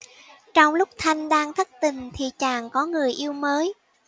trong lúc thanh đang thất tình thì chàng có người yêu mới